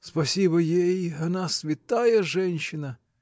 — Спасибо ей: она святая женщина!